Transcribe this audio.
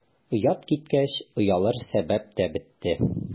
Оят киткәч, оялыр сәбәп тә бетте.